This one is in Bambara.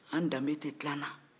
an danbe tɛ tila an na